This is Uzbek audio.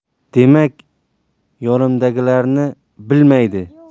demak yonimdagilarni bilmaydi